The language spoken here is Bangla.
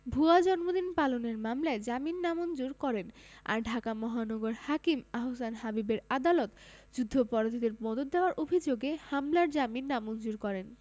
ভুয়া জন্মদিন পালনের মামলায় জামিন নামঞ্জুর করেন আর ঢাকা মহানগর হাকিম আহসান হাবীবের আদালত যুদ্ধাপরাধীদের মদদ দেওয়ার অভিযোগের মামলায় জামিন নামঞ্জুর করেন